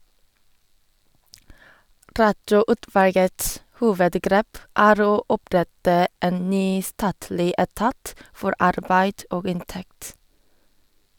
Rattsøutvalgets hovedgrep er å opprette en ny statlig etat for arbeid og inntekt.